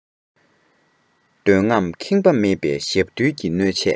འདོད རྔམས ཁེངས པ མེད པའི ཞབས བརྡོལ གྱི གནོད ཆས